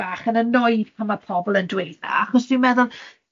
bach yn annoyed pan ma' pobl yn dweud 'na, achos dwi'n meddwl,